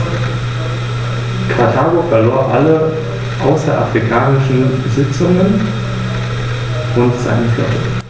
Hannibal nahm den Landweg durch das südliche Gallien, überquerte die Alpen und fiel mit einem Heer in Italien ein, wobei er mehrere römische Armeen nacheinander vernichtete.